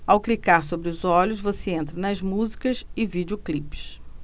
ao clicar sobre os olhos você entra nas músicas e videoclipes